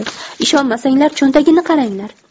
ishonmasanglar cho'ntagini qaranglar